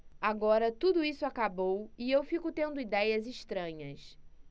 agora tudo isso acabou e eu fico tendo idéias estranhas